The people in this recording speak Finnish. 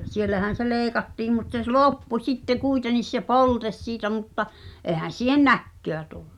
siellähän se leikattiin mutta se - loppui sitten kuitenkin se polte siitä mutta eihän siihen näköä tullut